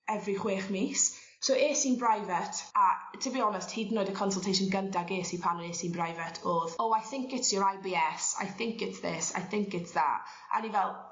Every chwech mis so es i'n brifet a to be onest hyd yn oed y consultation gynta ges i pan es i'n brifet o'dd oh I think it's your Eye Bee Ess I think it's this I think it's that* a o'n i fel